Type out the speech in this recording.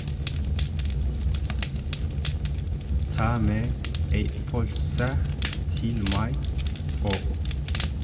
Ta med ei pølse til meg òg!